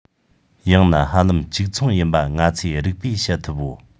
ཡང ན ཧ ལམ གཅིག མཚུངས ཡིན པ ང ཚོས རིགས པས དཔྱད ཐུབ བོ